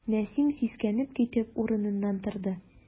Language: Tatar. Нәсим, сискәнеп китеп, урыныннан торды.